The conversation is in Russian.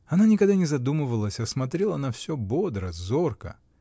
Она никогда не задумывалась, а смотрела на всё бодро, зорко.